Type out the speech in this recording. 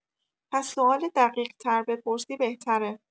پس سوال دقیق‌تر بپرسی بهتره